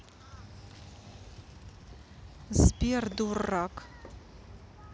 сбер дурак